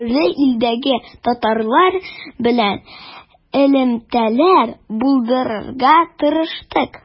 Төрле илдәге татарлар белән элемтәләр булдырырга тырыштык.